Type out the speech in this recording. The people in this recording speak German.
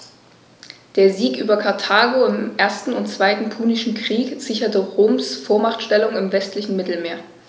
Der Sieg über Karthago im 1. und 2. Punischen Krieg sicherte Roms Vormachtstellung im westlichen Mittelmeer.